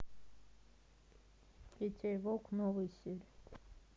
петя и волк новые серии